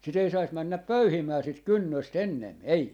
sitä ei saisi mennä pöyhimään sitä kynnöstä ennen ei